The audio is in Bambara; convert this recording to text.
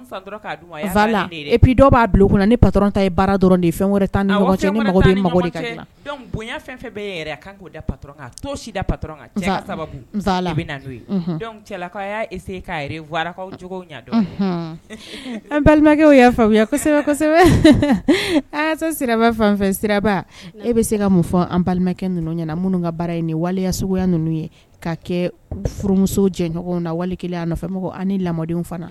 B'a cɛlakaw balimakɛ siraba e bɛ se ka mun fɔ an balimakɛ ninnu ɲɛna minnu ka baara in nin waliya suguya ninnu ye ka kɛ furumuso jɛɲɔgɔn na wali nɔfɛ nidenw fana